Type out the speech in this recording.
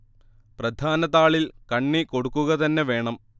പ്രധാന താളിൽ കണ്ണി കൊടുക്കുക തന്നെ വേണം